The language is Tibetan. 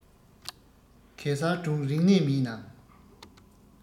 གེ སར སྒྲུང རིག གནས མིན ནམ